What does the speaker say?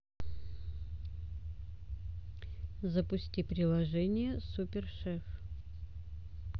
запусти приложение супер шеф